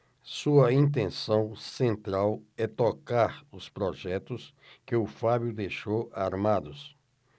sua intenção central é tocar os projetos que o fábio deixou armados